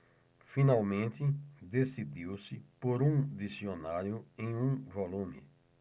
finalmente decidiu-se por um dicionário em um volume